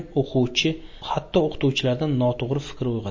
hatto o'qituvchilarda noto'g'ri fikr uyg'otgan